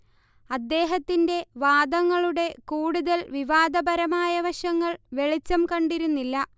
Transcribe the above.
അദ്ദേഹത്തിന്റെ വാദങ്ങളുടെ കൂടുതൽ വിവാദപരമായ വശങ്ങൾ വെളിച്ചം കണ്ടിരുന്നില്ല